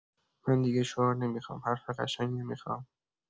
من دیگه شعار نمی‌خوام، حرف قشنگ نمی‌خوام.